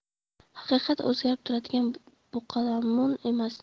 haqiqat o'zgarib turadigan buqalamun emas